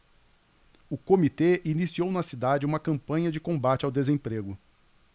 o comitê iniciou na cidade uma campanha de combate ao desemprego